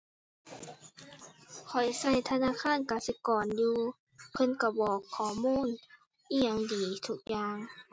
ข้อยใช้ธนาคารกสิกรอยู่ เพิ่นใช้บอกข้อมูลอิหยังดีทุกอย่าง